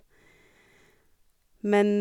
Men...